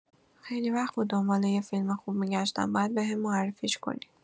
خیلی وقت بود دنبال یه فیلم خوب می‌گشتم، باید بهم معرفیش کنی.